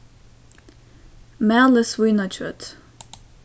malið svínakjøt